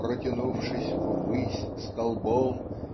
Протянувшись ввысь столбом